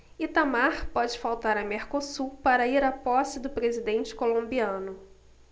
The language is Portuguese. itamar pode faltar a mercosul para ir à posse do presidente colombiano